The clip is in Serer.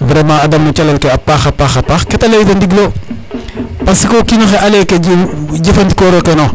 Vraiment a dam no calel ke a paax a paax ke ta layna ndigil o parce que o kiin oxe a lay ke jefandikoorkeeroona